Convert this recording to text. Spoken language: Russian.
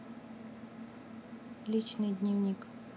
личный дневник